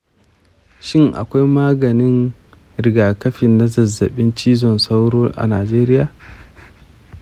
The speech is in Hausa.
shin akwai maganin rigakafi na zazzabin cizon sauro a najeria?